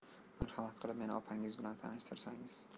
marhamat qilib meni opanggiz bilan tanishtirsangiz